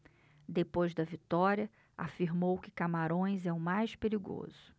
depois da vitória afirmou que camarões é o mais perigoso